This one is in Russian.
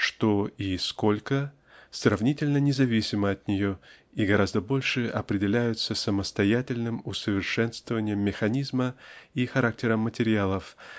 что и сколько сравнительно независимы от нее и гораздо больше определяются самостоятельным усовершенствованием механизма и характером материалов